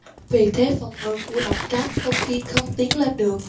vì thế phòng ngự của đổng trác tôn kiên không tiến lên được